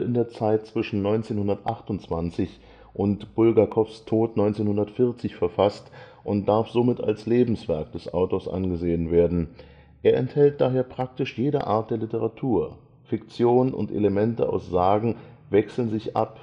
der Zeit zwischen 1928 und Bulgakows Tod 1940 verfasst und darf somit als Lebenswerk des Autors angesehen werden. Er enthält daher praktisch jede Art der Literatur: Fiktion und Elemente aus Sagen wechseln sich ab